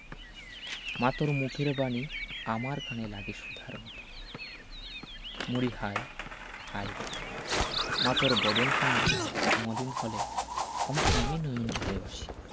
মা তোর মুখের বাণী আমার কানে লাগে সুধার মতো মরি হায় হায় রে মা তোর বদনখানি মলিন হলে ও মা আমি নয়নজলে ভাসি